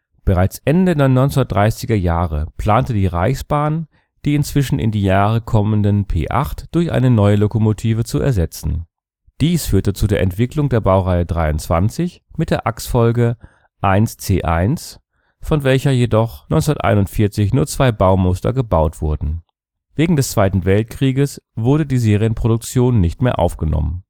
Bereits Ende der 1930er Jahre plante die Reichsbahn, die inzwischen in die Jahre kommenden P 8 durch eine neue Lokomotive zu ersetzen. Dies führte zur Entwicklung der Baureihe 23 mit der Achsfolge 1'C1 ', von welcher jedoch 1941 nur zwei Baumuster gebaut wurden. Wegen des Zweiten Weltkrieges wurde die Serienproduktion nicht mehr aufgenommen